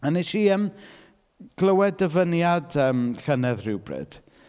A wnes i, yym, glywed dyfyniad, yym, llynedd rywbryd.